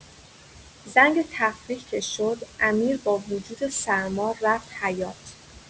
زنگ تفریح که شد، امیر با وجود سرما رفت حیاط.